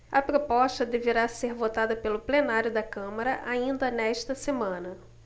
a proposta deverá ser votada pelo plenário da câmara ainda nesta semana